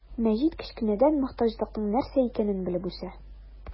Мәҗит кечкенәдән мохтаҗлыкның нәрсә икәнен белеп үсә.